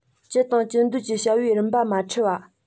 ཅི དང ཅི འདོད ཀྱི བྱ བའི རིམ པ མ འཁྲུལ བ